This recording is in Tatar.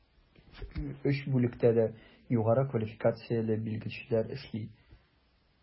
Өч бүлектә дә югары квалификацияле белгечләр эшли.